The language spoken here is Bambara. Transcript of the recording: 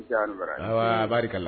Barikarikala la